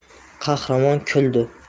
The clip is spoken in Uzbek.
qahramon kuldi